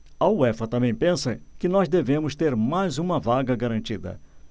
a uefa também pensa que nós devemos ter mais uma vaga garantida